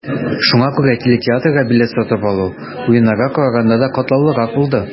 Шуңа күрә телетеатрга билет сатып алу, Уеннарга караганда да катлаулырак булды.